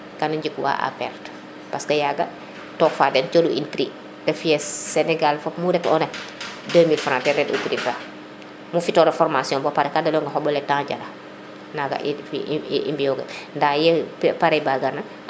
kanu njik wa à perte parce que yaga took fa den cooɗ u in prix te fiye Senegal mu ret ona 2000 fr ten re u prix fa mu fi tona formation ka de leyange o xoɓole temps jara naga i fi i mbiyo gu nda ye Parba garna